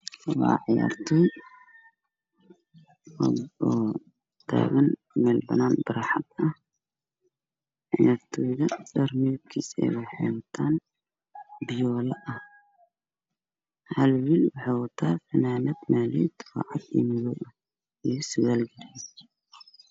Waa cayaartooy oo taagan meel banaan oo barxad ah waxay wataan dhar fiyool ah, midna waxuu wataa fanaanad maaliyad oo cad iyo madow ah iyo surwaalkiisa.